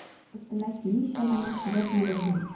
Өстемә кимичә генә чыгып йөгердем.